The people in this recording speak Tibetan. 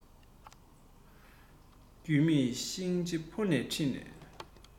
རྒྱུས མེད གཤིན རྗེ ཕོ ཉས ཁྲིད ནས